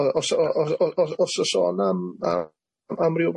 O- os o- o- o- os o's 'a sôn am am am ryw